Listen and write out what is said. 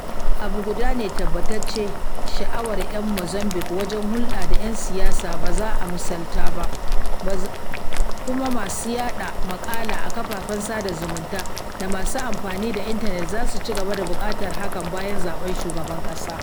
Abu guda ne tabbatacce, sha'awar 'yan Mozambika wajen hulɗa da 'yan siyasa ba zata musaltu ba, kuma masu yaɗa maƙala a kafafen sada zumunta da masu amfani da intanet zasu ci gaba da buƙatar hakan bayan zaɓen Shugaban ƙasa.